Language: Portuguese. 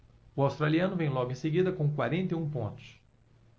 o australiano vem logo em seguida com quarenta e um pontos